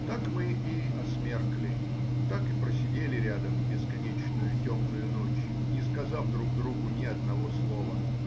Так мы и осмеркли, так и просидели рядом бесконечную темную ночь, не сказав друг другу ни одного слова.